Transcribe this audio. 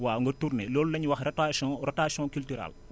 waaw nga tourné loolu la ñuy wax rotation rotation culturale